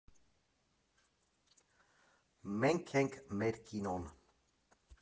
Մենք ենք մեր կինոն։